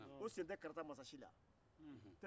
karata masasi sen t'o la